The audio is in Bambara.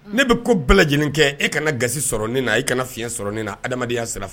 Ne bɛ ko bɛɛ lajɛlen kɛ, e kana gasi sɔrɔ ne la, e kana fiɲɛ sɔrɔ ne la adamadenya sira fɛ